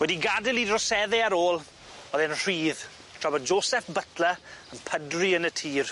Wedi gad'el 'i drosedde ar ôl o'dd e'n rhydd tra bod Joseph Butler yn pydru yn y tir.